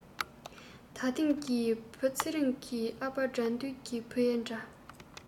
ད ཐེངས ཀྱི བུ ཚེ རིང གི ཨ ཕ དགྲ འདུལ གྱི བུ ཡི འདྲ